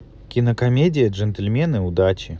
кинокомедия джентльмены удачи